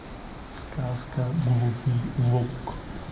сказка глупый волк